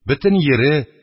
Бөтен йире,